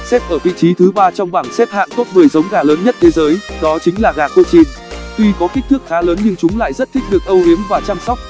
xếp ở vị trí thứ trong bảng xếp hạng top giống gà lớn nhất thế giới đó chính là gà cochin tuy có kích thước khá lớn nhưng chúng lại rất thích được âu yếm và chăm sóc